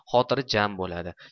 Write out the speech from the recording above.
xotiri jam bo'ladi